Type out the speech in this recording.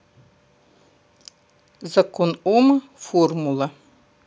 закон ома формула